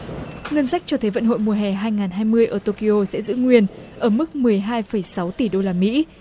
ngân sách cho thế vận hội mùa hè hai ngàn hai mươi ở tô ki ô sẽ giữ nguyên ở mức mười hai phẩy sáu tỷ đô la mỹ